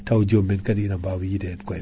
ha ko wiyate come en